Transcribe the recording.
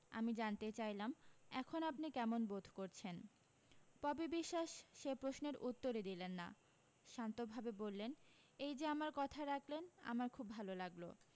আমি জানতে চাইলাম এখন আপনি কেমন বোধ করছেন পপি বিশ্বাস সে প্রশ্নের উত্তরই দিলেন না শান্তভাবে বললেন এই যে আমার কথা রাখলেন আমার খুব ভালো লাগলো